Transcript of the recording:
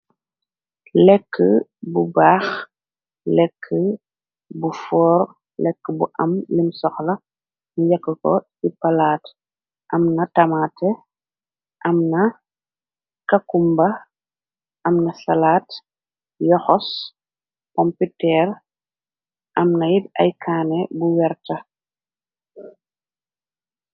Lekk bu baax, lekk bu foor, lekk bu am lim soxla, ñu yekk ko ci palaat, amna tamate,?am na kakumba, amna salaat, yoxos, pomputeer, am na yit ay kaané bu werta.